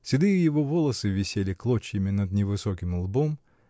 седые его волосы висели клочьями над невысоким лбом